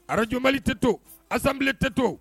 Arajbaliali tɛ to asanbilen tɛ to